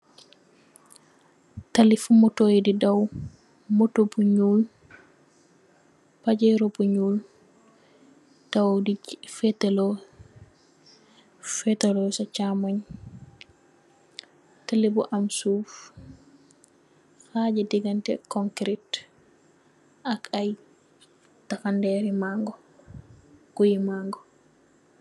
Talih fu motor ye de daw motor bu njol pajero bu njol daw de fetalu, fatalu sa chamung talih bu am suff haje diganteh kunkerek ak aye tahanere magou goyu mango.